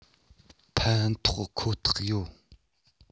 ཕན ཐོགས ཁོ ཐག ཡོད